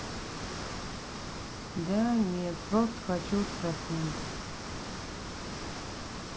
да нет просто хочу спросить